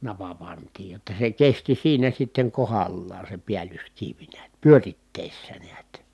napa pantiin jotta se kesti siinä sitten kohdallaan se päällyskivi näet pyörittäessä näet